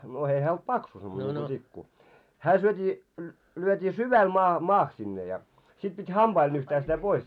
no ei hän ollut paksu semmoinen niin kuin tikku hän syötiin lyötiin syvälle - maahan sinne ja sitten piti hampailla nyhtää sitä pois